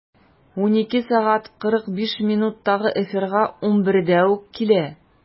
12.45-тәге эфирга 11-дә үк килә.